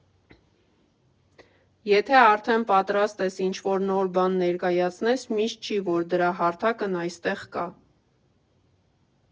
Եթե արդեն պատրաստ ես ինչ֊որ նոր բան ներկայացնես, միշտ չի, որ դրա հարթակն այստեղ կա։